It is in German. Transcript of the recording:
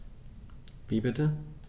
Wie bitte?